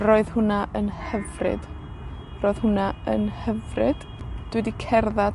roedd hwnna yn hyfryd. Ro'dd hwnna yn hyfryd. Dwi 'di cerddad